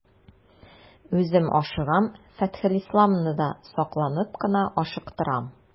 Үзем ашыгам, Фәтхелисламны да сакланып кына ашыктырам.